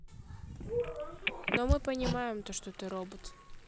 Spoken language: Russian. но мы понимаем то что ты робот